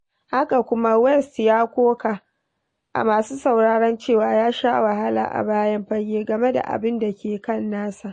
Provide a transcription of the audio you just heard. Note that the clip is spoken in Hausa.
Haka kuma, West ya koka a masu sauraron cewa ya sha wahala a bayan fage game da abin da ke kan nasa.